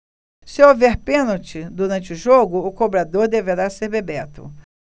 se houver pênalti durante o jogo o cobrador deverá ser bebeto